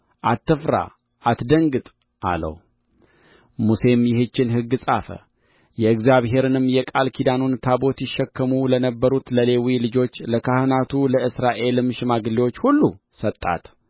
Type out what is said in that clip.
አትፍራ አትደንግጥ አለው ሙሴም ይህችን ሕግ ጻፈ የእግዚአብሔርንም የቃል ኪዳኑን ታቦት ይሸከሙ ለነበሩት ለሌዊ ልጆች ለካህናቱ ለእስራኤልም ሽማግሌዎች ሁሉ ሰጣት